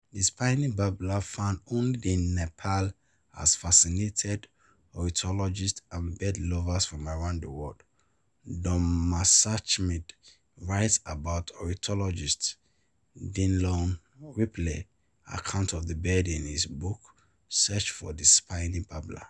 The Spiny Babbler, found only in Nepal, has fascinated ornithologists and bird lovers from around the world. Don Messerschmidt writes about ornithologist S. Dillon Ripley’s account of the bird in his book Search for the Spiny Babbler: